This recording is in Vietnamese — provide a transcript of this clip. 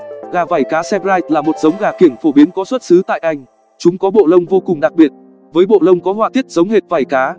gà vảy cá sebright là một giống gà kiểng phổ biến có xuất xứ tại anh chúng có bộ lông vô cùng đặc biệt với bộ lông có họa tiết giống hệt vảy cá